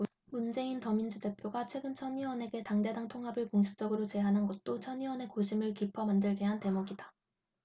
문재인 더민주 대표가 최근 천 의원에게 당대 당 통합을 공식적으로 제안한 것도 천 의원의 고심을 깊어 만들게 한 대목이다